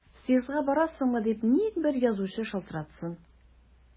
Съездга барасыңмы дип ник бер язучы шалтыратсын!